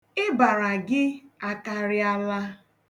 Ịbara gị akarịala.